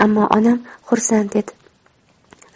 ammo onam xursand edi